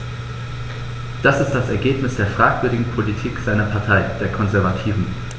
Das ist das Ergebnis der fragwürdigen Politik seiner Partei, der Konservativen.